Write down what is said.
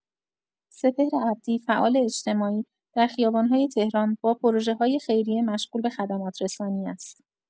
سپهر عبدی، فعال اجتماعی، در خیابان‌های تهران با پروژه‌های خیریه مشغول به خدمت‌رسانی است.